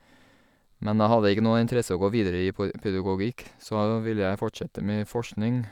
Men jeg hadde ikke noe interesse å gå videre i på pedagogikk, så ville jeg fortsette med forskning.